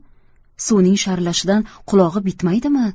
suvning sharillashidan qulog'i bitmaydimi